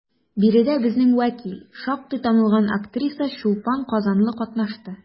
Биредә безнең вәкил, шактый танылган актриса Чулпан Казанлы катнашты.